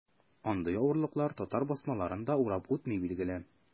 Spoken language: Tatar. Андый авырлыклар татар басмаларын да урап үтми, билгеле.